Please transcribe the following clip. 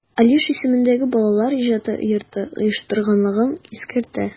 Алиш исемендәге Балалар иҗаты йорты оештырганлыгын искәртә.